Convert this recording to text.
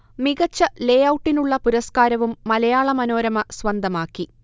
മികച്ച ലേ ഔട്ടിനുള്ള പുരസ്കാരവും മലയാള മനോരമ സ്വന്തമാക്കി